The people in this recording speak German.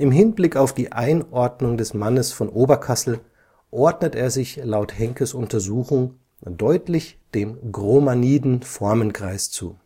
Hinblick auf die Einordnung des Mannes von Oberkassel ordnet er sich laut Henkes Untersuchung „ deutlich dem cromagniden Formenkreis “zu